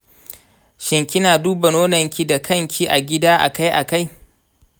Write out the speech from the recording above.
shin kina duba nononki da kanki a gida akai-akai?